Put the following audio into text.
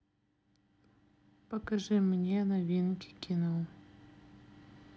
покажи мне новинки кино